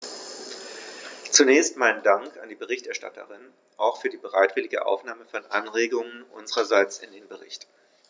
Zunächst meinen Dank an die Berichterstatterin, auch für die bereitwillige Aufnahme von Anregungen unsererseits in den Bericht.